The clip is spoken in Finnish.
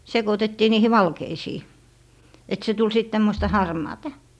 sekoitettiin niihin valkeisiin että se tuli sitten tämmöistä harmaata